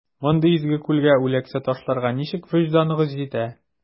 Мондый изге күлгә үләксә ташларга ничек вөҗданыгыз җитә?